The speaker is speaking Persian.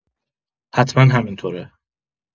حتما همینطوره.